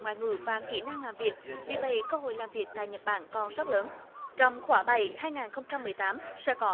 ngoại ngữ và kỹ năng làm việc vì vậy cơ hội làm việc tại nhật bản còn rất lớn trong khóa bảy hai nghìn không trăm mười tám sẽ có